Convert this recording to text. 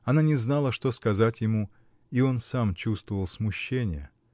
она не знала, что сказать ему, и он сам чувствовал смущение.